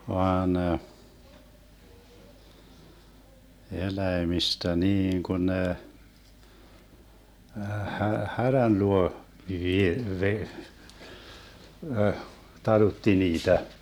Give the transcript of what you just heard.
vaan eläimistä niin kun ne - härän luo --- talutti niitä